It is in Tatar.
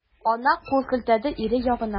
Ана кул селтәде ире ягына.